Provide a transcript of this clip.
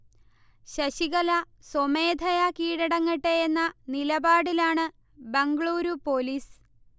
ശശികല സ്വമേധയാ കീഴടങ്ങട്ടെ എന്ന നിലപാടിലാണു ബംഗളൂരു പൊലീസ്